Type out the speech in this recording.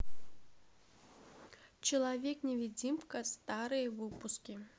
человек невидимка старые выпуски